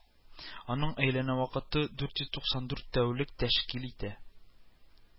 Аның әйләнә вакыты дүрт йөз туксан дүрт тәулек тәшкил итә